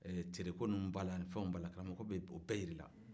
tereko nunun b'a la a ni fɛn b'a la karamɔgɔkɛ b'o bɛɛ yiri la